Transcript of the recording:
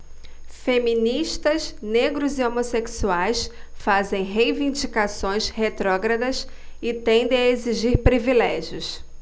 feministas negros e homossexuais fazem reivindicações retrógradas e tendem a exigir privilégios